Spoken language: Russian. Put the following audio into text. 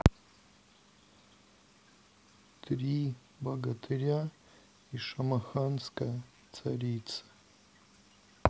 три богатыря и шамаханская царица